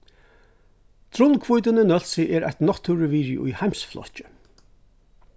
drunnhvítin í nólsoy er eitt náttúruvirði í heimsflokki